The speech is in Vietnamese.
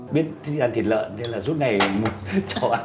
biết thích ăn thịt lợn nên suốt ngày cho ăn